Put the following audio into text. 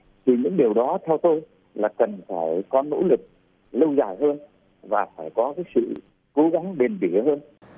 thì những điều đó theo tôi là cần phải có nỗ lực lâu dài hơn và phải có cái sự cố gắng bền bỉ hơn